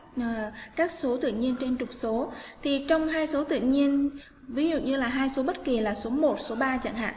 các số tự nhiên trên trục số tìm trong hai số tự nhiên ví dụ như là hai số bất kì là số số trận